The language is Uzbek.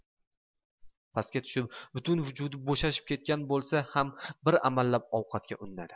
pastga tushib butun vujudi bo'shashib ketgan bo'lsa ham bir amallab ovqatga unnadi